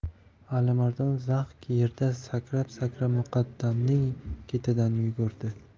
alimardon zax yerda sakrab sakrab muqaddamning ketidan yugurdi